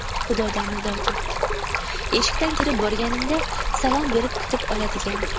xudodan nido kepti eshikdan kirib borganingda salom berib kutib oladigan